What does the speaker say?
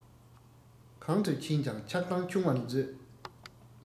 གང དུ ཕྱིན ཀྱང ཆགས སྡང ཆུང བར མཛོད